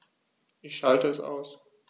Ich schalte es aus.